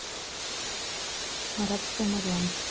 арабская марьям